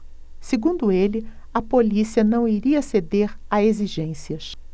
segundo ele a polícia não iria ceder a exigências